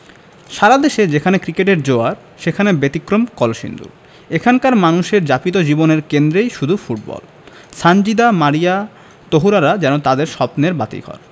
সারা দেশে যেখানে ক্রিকেটের জোয়ার সেখানে ব্যতিক্রম কলসিন্দুর এখানকার মানুষের যাপিত জীবনের কেন্দ্রে শুধুই ফুটবল সানজিদা মারিয়া তহুরারা যেন তাদের স্বপ্নের বাতিঘর